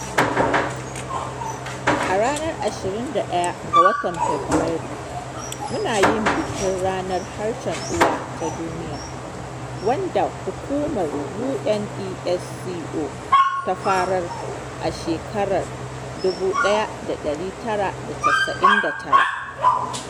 A ranar 21 ga watan Fabrairu mun yi bikin ranar Harshen Uwa ta Duniya, wadda Hukumar UNESCO ta farar a 1999.